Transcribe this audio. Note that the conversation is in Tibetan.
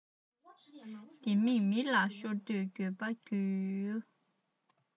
ལྡེ མིག མི ལ ཤོར དུས འགྱོད པའི རྒྱུ